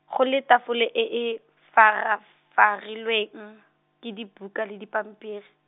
go le tafole e e, fara f- -farilweng, ke dibuka le dipampiri.